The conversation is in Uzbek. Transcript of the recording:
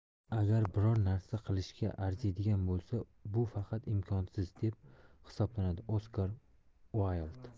agar biror narsa qilishga arziydigan bo'lsa bu faqat imkonsiz deb hisoblanadi oskar uayld